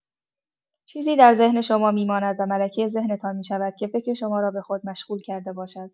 چیزی در ذهن شما می‌ماند و ملکه ذهن‌تان می‌شود که فکر شما را به خود مشغول کرده باشد!